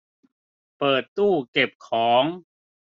เปิดตู้เก็บของ